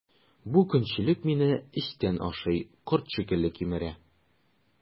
Бу көнчелек мине эчтән ашый, корт шикелле кимерә.